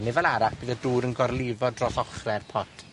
Ne' fel arall, bydd y dŵr yn gorlifo dros ochre'r pot.